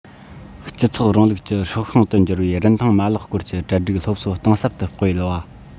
སྤྱི ཚོགས རིང ལུགས ཀྱི སྲོག ཤིང དུ གྱུར བའི རིན ཐང མ ལག སྐོར གྱི དྲིལ བསྒྲགས སློབ གསོ གཏིང ཟབ ཏུ སྤེལ བ